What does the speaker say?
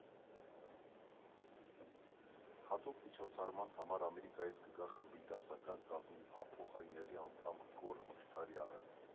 Հատուկ միջոցառման համար Ամերիկայից կգա խմբի դասական կազմի անփոխարինելի անդամ Գոռ Մխիթարյանը։